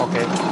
Oce.